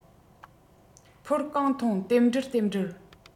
ཕོར གང འཐུང རྟེན འབྲེལ རྟེན འབྲེལ